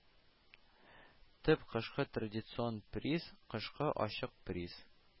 Төп кышкы традицион приз (кышкы ачык приз,